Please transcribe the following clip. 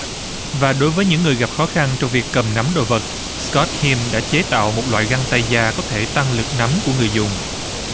và đối với những người gặp khó khăn trong việc cầm nắm đồ vật cốt him đã chế tạo một loại găng tay da có thể tăng lực nắm của người dùng